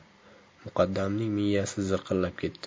muqaddamning miyasi zirqillab ketdi